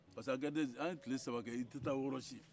parce que agadɛz an tile saba kɛ i tɛ taa yɔrɔ si